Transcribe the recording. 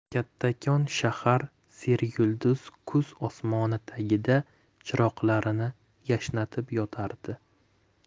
kattakon shahar seryulduz kuz osmoni tagida chiroqlarini yashnatib yotardi